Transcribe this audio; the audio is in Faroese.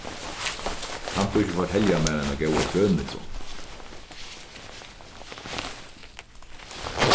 kann tú ikki fortelja mær eina góða krøniku